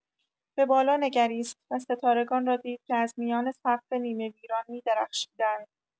به بالا نگریست و ستارگان را دید که از میان سقف نیمه‌ویران می‌درخشیدند.